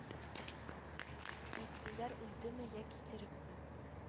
Әйттеләр үлдеме яки терекме